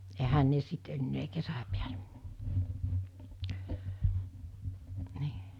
eihän ne sitten enää kesän päälle niin